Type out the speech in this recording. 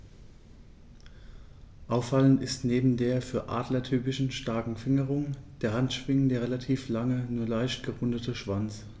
Auffallend ist neben der für Adler typischen starken Fingerung der Handschwingen der relativ lange, nur leicht gerundete Schwanz.